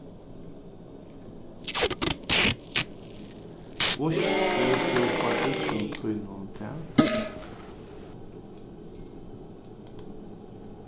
vísti tú foreldrum tínum tað